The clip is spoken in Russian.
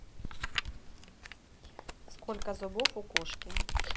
сколько зубов у кошки